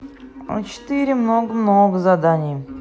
а четыре много много заданий